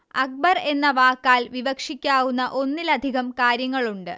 അക്ബർ എന്ന വാക്കാൽ വിവക്ഷിക്കാവുന്ന ഒന്നിലധികം കാര്യങ്ങളുണ്ട്